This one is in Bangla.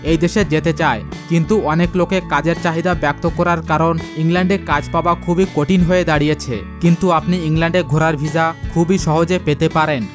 এই দেশে যেতে চায় কিন্তু অনেক লোকে কাজের চাহিদা ব্যর্থ করার কারণ ইংল্যান্ডে কাজ পাওয়া খুবই কঠিন হয়ে দাঁড়িয়েছে কিন্তু আপনি ইংল্যান্ডে ঘোরার ভিসা খুবই সহজে পেতে পারেন